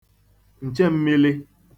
ǹchem̄mīlī